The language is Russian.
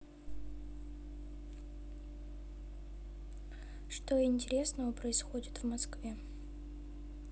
что интересного происходит в москве